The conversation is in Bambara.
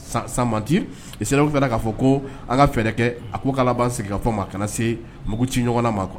Sans sans mentir CEDEAO tila la ka fɔ ko an ka fɛɛrɛ kɛ a ko ka laban sigikafɔ ma, ka na se mugu ci ɲɔgɔn ma quoi